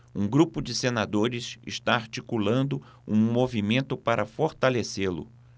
um grupo de senadores está articulando um movimento para fortalecê-lo